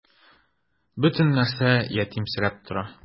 Бөтен нәрсә ятимсерәп тора.